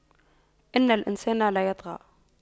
إِنَّ الإِنسَانَ لَيَطغَى